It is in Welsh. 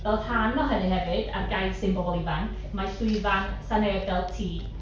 Fel rhan o hynny hefyd, ar gais ein bobl ifanc, mae llwyfan 'Sna Neb Fel Ti.